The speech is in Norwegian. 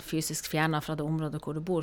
Fysisk fjerna fra det området hvor du bor.